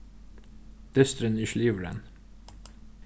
dysturin er ikki liðugur enn